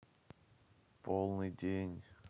полный день